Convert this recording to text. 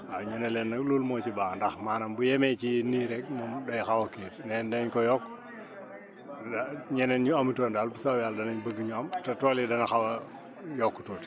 waaw ñu ne leen nag loolu moo si baax ndax maanaam bu yemee ci nii rek moom day xaw a kii mais dinañ ko yokku ndax ñeneen ñi amutoon daal bu soobee yàlla danañ bëgg ñu am te tool yi dana xaw a yokku tuuti